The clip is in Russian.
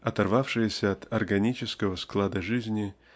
оторвавшаяся от органического склада жизни